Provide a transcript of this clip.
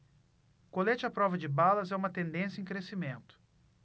colete à prova de balas é uma tendência em crescimento